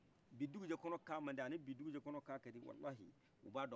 bi dugujɛ kɔnɔ kan madi ani bi dugujɛ kɔnɔ kankadi walahi uba dɔn